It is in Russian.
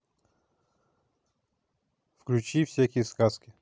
включи всякие сказки